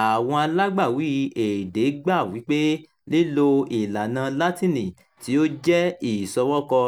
Àwọn alágbàwí èdè gbà wí pé lílo ìlànà Látíìnì, tí ó jẹ́ ìṣọwọ́kọ